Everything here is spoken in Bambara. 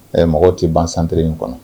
Ɛ mɔgɔw tɛ ban santere in kɔnɔ